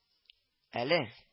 Әле